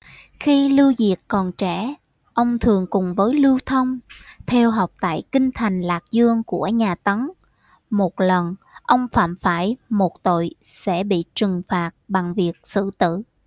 khi lưu diệu còn trẻ ông thường cùng với lưu thông theo học tại kinh thành lạc dương của nhà tấn một lần ông phạm phải một tội sẽ bị trừng phạt bằng việc xử tử